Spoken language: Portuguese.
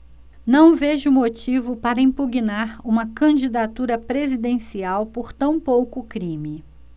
não vejo motivo para impugnar uma candidatura presidencial por tão pouco crime